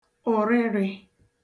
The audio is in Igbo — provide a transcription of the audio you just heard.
ụ̀rịrị̄